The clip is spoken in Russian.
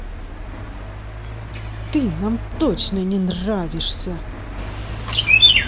ты нам точно не нравишься